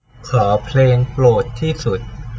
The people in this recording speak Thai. ขอเพลงโปรดที่สุด